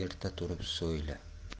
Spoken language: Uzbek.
erta turib so'yla